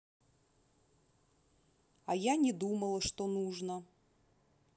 а я не думала что нужно